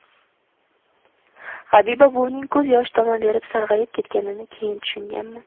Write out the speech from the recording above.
habiba buvining ko'z yoshi tomaverib sarg'ayib ketganini keyin tushunganman